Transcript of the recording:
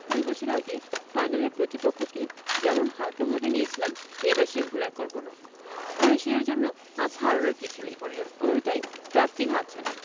দুই বছর আগে ফাইনালের প্রতিপক্ষকে যেমন হালকাভাবে নিয়েছিলাম এবার সে ভুল আর করব না ক্রোয়েশিয়ার জন্য আজ হারানোর কিছু নেই পুরোটাই প্রাপ্তির হাতছানি